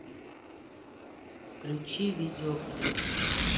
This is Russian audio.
включи видеоклипы